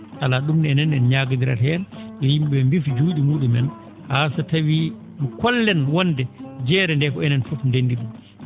alaa ?um ne en ñaagodirat heen yo yim?e ?ee mbiif juu?e mu?umen haa so tawii kollen wonde jeere nde ko enen fof ndenndi ?um